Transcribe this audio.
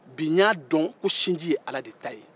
bi n y'adɔn ko sinji ye ala de ta ye